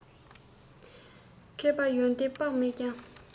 མཁས པ ཡོན ཏན དཔག མེད ཀྱང